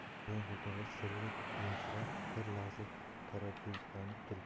no'yon ko'kaldosh sirli kulimsirab bir lahza taraddudlanib turdi